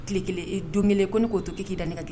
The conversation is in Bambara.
Kelen don kelen ko k'o to k'i dani ka